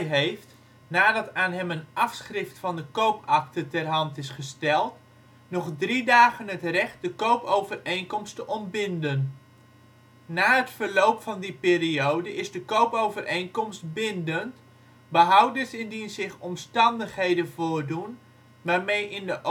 heeft, nadat aan hem een afschfrift van de koopakte ter hand is gesteld, nog drie dagen het recht de koopovereenkomst te ontbinden. Na het verloop van die periode is de koopovereenkomst bindend, behoudens indien zich omstandigheden voordoen waarmee in de